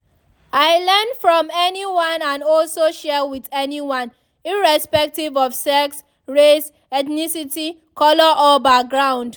I learn from anyone and also share with anyone irrespective of sex, race, ethnicity, color or background.